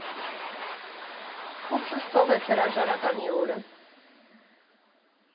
Փուքսս թողեց հրաժարականի օրը։